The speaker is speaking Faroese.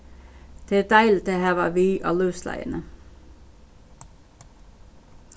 tað er deiligt at hava við á lívsleiðini